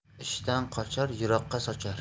ishdan qochar yiroqqa sochar